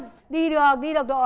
đi được đi được độ